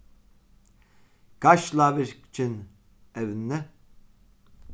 geislavirkin evni